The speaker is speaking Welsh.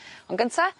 On' gynta